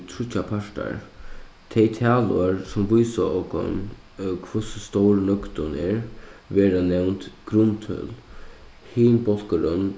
tríggjar partar tey talorð sum vísa okum hvussu stór nøgdin er verða nevnd grundtøl hin bólkurin